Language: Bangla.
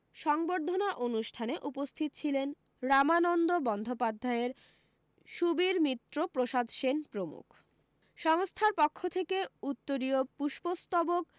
সংবর্ধনা অনুষ্ঠানে উপস্থিত ছিলেন রামানন্দ বন্দ্যোপাধ্যায় সুবীর মিত্র প্রসাদ সেন প্রমুখ সংস্থার পক্ষ থেকে উত্তরীয় পুষ্পস্তবক